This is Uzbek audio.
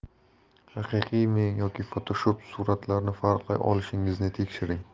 haqiqiymi yoki fotoshop suratlarni farqlay olishingizni tekshiring